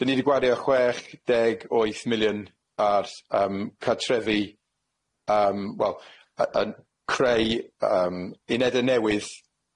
dyn ni di gwario chwech deg wyth million ar yym cartrefi yym wel yy yn creu yym unede newydd,